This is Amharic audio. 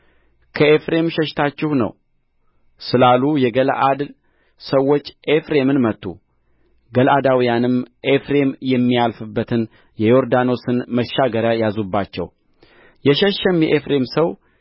ከኤፍሬም ሸሽታችሁ ነው ስላሉ የገለዓድ ሰዎች ኤፍሬምን መቱ ገለዓዳውያንም ኤፍሬም የሚያልፍበትን የዮርዳኖስን መሻገሪያ ያዙባቸው የሸሸም የኤፍሬም ሰው